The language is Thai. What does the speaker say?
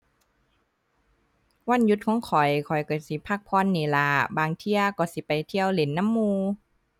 วันหยุดของข้อย ข้อยก็สิพักผ่อนนี่ล่ะ บางเที่ยก็สิไปเที่ยวเล่นนำหมู่